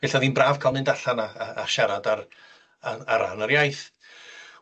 Felly o'dd 'i'n braf ca'l mynd allan a a a siarad ar ar ar ran yr iaith.